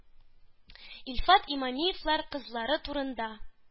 Илфат Имамиевлар кызлары турында.